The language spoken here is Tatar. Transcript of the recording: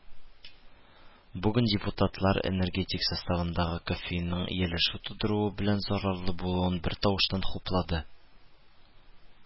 Бүген депутатлар “энергетик” составындагы кофеинның ияләшү тудыруы белән зарарлы булуын бертавыштан хуплады